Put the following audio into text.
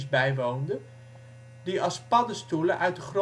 bijwoonde, die als paddenstoelen uit